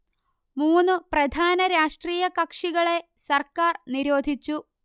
മൂന്നു പ്രധാന രാഷ്ട്രീയ കക്ഷികളെ സർക്കാർ നിരോധിച്ചു